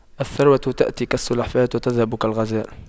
الثروة تأتي كالسلحفاة وتذهب كالغزال